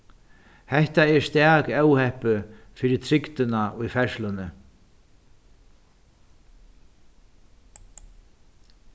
hetta er stak óheppið fyri trygdina í ferðsluni